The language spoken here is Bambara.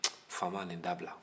turun faama nin dabila